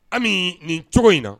An bɛ nin cogo in na